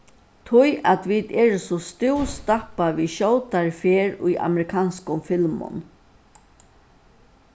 tí at vit eru so stúvstappað við skjótari ferð í amerikanskum filmum